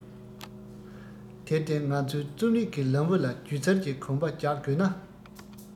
དེར བརྟེན ང ཚོས རྩོམ རིག གི ལམ བུ ལ སྒྱུ རྩལ གྱི གོམ པ རྒྱག དགོས ན